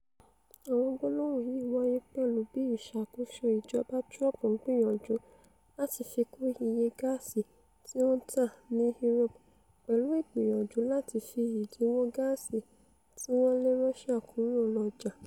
Àwọn gbólóhùn yìí wáyé pẹ̀lú bí ìṣàkóṣo ìjọba Trump ń gbìyànjú láti fikún iye gáàsì tí ó ń tà ní Europe pẹ̀lú ìgbìyànjú láti fi ìdínwó gáàsì ti wọn lé Russia kúrò lọ́jà.